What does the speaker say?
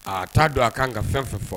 A t'a don a k kan n ka fɛn fɛ fɔ